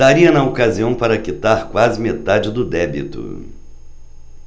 daria na ocasião para quitar quase metade do débito